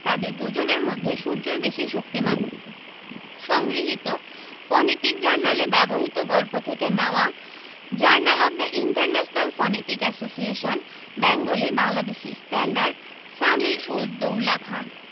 তাদের দুজনের মধ্যে সূর্যই বেশি শক্তিমান সংগৃহীত ফনেটিক জার্নালে ব্যবহিত গল্প থেকে নেওয়া Journal of the International Phonetic Association Bengali Bangladeshi standard Samir ud Daula Khan